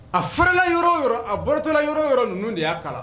A farala yɔrɔ yɔrɔ a barotɔ yɔrɔ yɔrɔ ninnu de y'a kalan